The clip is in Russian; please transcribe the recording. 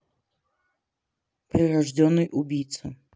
прирожденный убийца